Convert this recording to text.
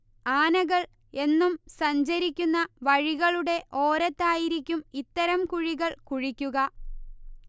ആനകൾ എന്നും സഞ്ചരിക്കുന്ന വഴികളുടെ ഓരത്തായിരിക്കും ഇത്തരം കുഴികൾ കുഴിക്കുക